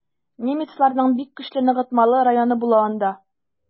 Немецларның бик көчле ныгытмалы районы була анда.